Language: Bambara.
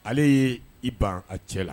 Ale yee i ban a cɛ la